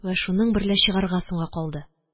Вә шуның берлә чыгарга соңга калды